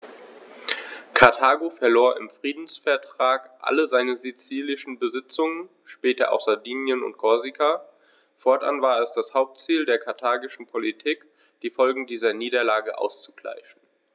Karthago verlor im Friedensvertrag alle seine sizilischen Besitzungen (später auch Sardinien und Korsika); fortan war es das Hauptziel der karthagischen Politik, die Folgen dieser Niederlage auszugleichen.